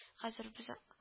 Әзер без